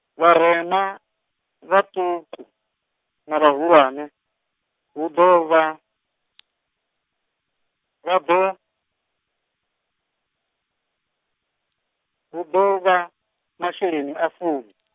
vharema, vhaṱuku, na vhahulwane, hu ḓo vha, vha ḓo, hu ḓo vha, masheleni a fumi.